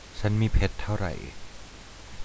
ฉันมีเพชรเท่าไร